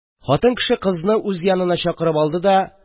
Хатын кеше кызны үз янына чакырып алды да: